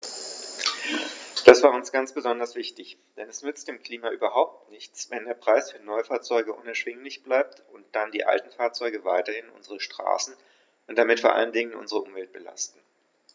Das war uns ganz besonders wichtig, denn es nützt dem Klima überhaupt nichts, wenn der Preis für Neufahrzeuge unerschwinglich bleibt und dann die alten Fahrzeuge weiterhin unsere Straßen und damit vor allen Dingen unsere Umwelt belasten.